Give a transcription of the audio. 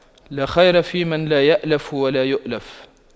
لا خير فيمن لا يَأْلَفُ ولا يؤلف